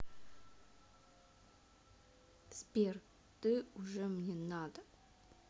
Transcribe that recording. сбер ты уже мне надо